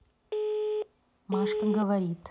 машка говорит